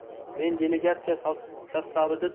men delegatsiya sostavida